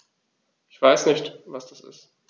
Ich weiß nicht, was das ist.